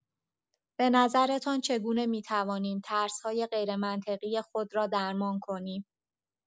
به نظرتان چگونه می‌توانیم ترس‌های غیرمنطقی خود را درمان کنیم؟